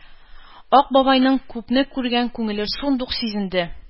Ак бабайның күпне күргән күңеле шундук сизенде.